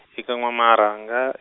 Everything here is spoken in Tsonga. eka N'wa Marhanga.